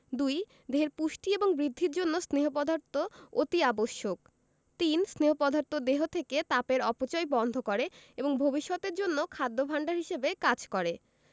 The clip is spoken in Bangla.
২. দেহের পুষ্টি এবং বৃদ্ধির জন্য স্নেহ পদার্থ অতি আবশ্যক ৩. স্নেহ পদার্থ দেহ থেকে তাপের অপচয় বন্ধ করে এবং ভবিষ্যতের জন্য খাদ্য ভাণ্ডার হিসেবে কাজ করে